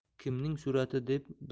kimning surati deb